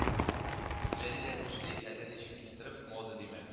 Җәлил әйтмешли, әллә ничек кистереп, мода димәк